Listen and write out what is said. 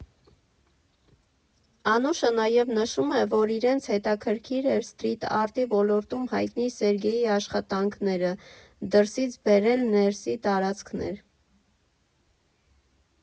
Անուշը նաև նշում է, որ իրենց հետաքրքիր էր սթրիթ արտի ոլորտում հայտնի Սերգեյի աշխատանքները դրսից բերել ներսի տարածքներ։